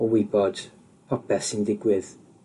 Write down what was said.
o wybod popeth sy'n digwydd